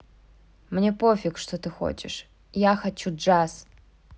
мне пофиг что ты хочешь я хочу джаз